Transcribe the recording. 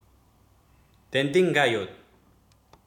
ཏན ཏན འགའ ཡོད